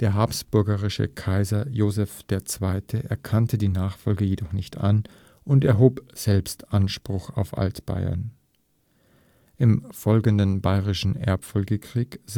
habsburgische Kaiser Joseph II. erkannte die Nachfolge jedoch nicht an und erhob selbst Anspruch auf Altbayern. Im folgenden Bayerischen Erbfolgekrieg 1778 /